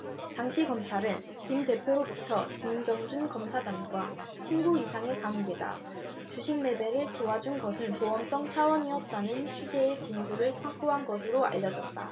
당시 검찰은 김 대표로부터 진경준 검사장과 친구 이상의 관계다 주식 매매를 도와준 것은 보험성 차원이었다는 취지의 진술을 확보한 것으로 알려졌다